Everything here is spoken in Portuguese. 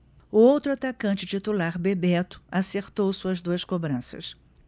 o outro atacante titular bebeto acertou suas duas cobranças